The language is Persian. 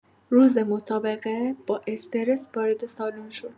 روز مسابقه، با استرس وارد سالن شد.